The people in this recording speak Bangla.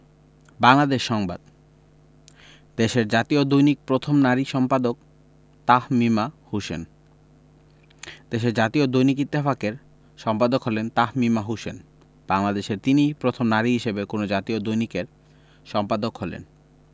বাংলাদেশ সংবাদ দেশের জাতীয় দৈনিক প্রথম নারী সম্পাদক তাহমিমা হোসেন দেশের জাতীয় দৈনিক ইত্তেফাকের সম্পাদক হলেন তাহমিমা হোসেন বাংলাদেশে তিনিই প্রথম নারী হিসেবে কোনো জাতীয় দৈনিকের সম্পাদক হলেন